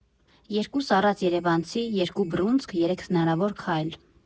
Երկու սառած երևանցի, երկու բռունցք, երեք հնարավոր քայլ։